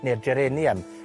ne'r Geranium.